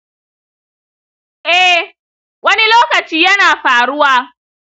eh, wani lokaci yana faruwa.